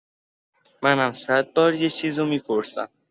منم صدبار یه چیزو می‌پرسم